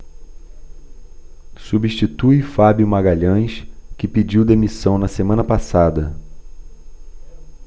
substitui fábio magalhães que pediu demissão na semana passada